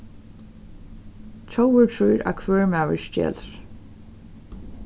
tjóvur trýr at hvør maður stjelur